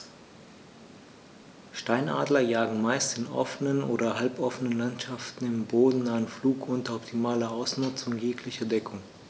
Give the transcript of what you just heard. Steinadler jagen meist in offenen oder halboffenen Landschaften im bodennahen Flug unter optimaler Ausnutzung jeglicher Deckung.